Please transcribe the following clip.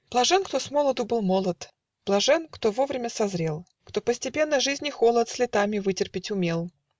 Блажен, кто смолоду был молод, Блажен, кто вовремя созрел, Кто постепенно жизни холод С летами вытерпеть умел